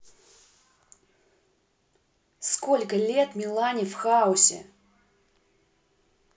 сколько лет милане в хаосе